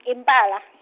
Imphala.